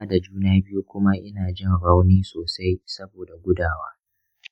ina da juna biyu kuma ina jin rauni sosai saboda gudawa.